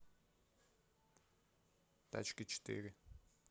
тачки четыре